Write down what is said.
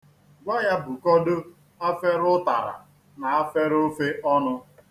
Gwa ya bukọdo afere ụtara na afere ofe ọnụ.